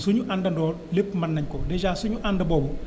suñu àndandoo lépp mën nañ ko dèjà suñu ànd boobu